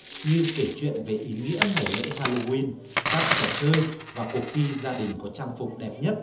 như kể chuyện về ý nghĩa ngày lễ ha lô guyn các trò chơi và cuộc thi gia đình có trang phục đẹp nhất